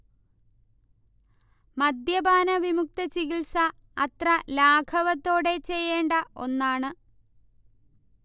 മദ്യപാന വിമുക്തചികിത്സ അത്ര ലാഘവത്തോടെ ചെയ്യേണ്ട ഒന്നാണ്